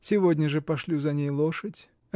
Сегодня же пошлю за ней лошадь.